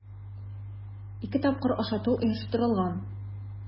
Ике тапкыр ашату оештырылган.